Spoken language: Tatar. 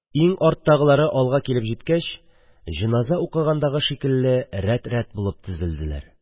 Иң арттагылары алга килеп җиткәч, җиназа укыгандагы шикелле рәт-рәт булып тезелделәр.